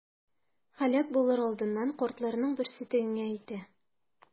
Һәлак булыр алдыннан картларның берсе тегеңә әйтә.